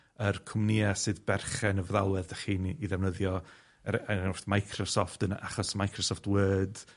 yr cwmnia sydd berchen y feddalwedd 'dach chi'n 'i ddefnyddio er enghraifft Microsoft yn achos Microsoft Word